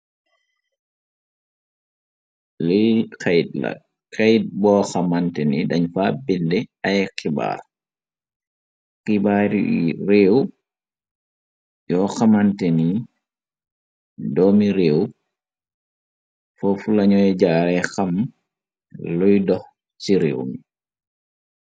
Li kayit la, kayit boo xamante, ni dañ fa binde ay xibaar. Xibaar yi réew yoo, xamante ni doomi réew fofu lañuy jaare xam luy dox ci réew mi.